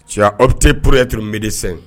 Cɛ aw bɛ se poroɛterib desɛn